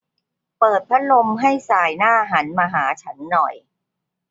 เปิดพัดลมให้ส่ายหน้าหันมาหาฉันหน่อย